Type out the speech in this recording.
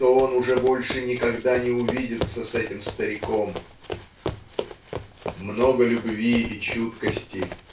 что он уже больше никогда не увидится с этим стариком". Много любви и чуткости